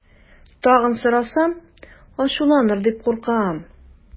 Тагын сорасам, ачуланыр дип куркам.